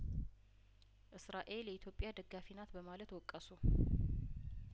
እስራኤል የኢትዮጵያ ደጋፊናት በማለት ወቀሱ